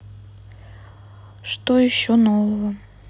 что еще нового